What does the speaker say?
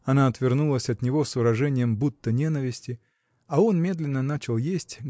Она отвернулась от него с выражением будто ненависти а он медленно начал есть